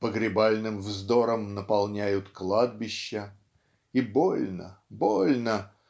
"погребальным вздором" наполняют кладбища и больно больно